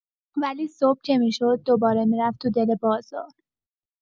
ولی صبح که می‌شد، دوباره می‌رفت تو دل بازار.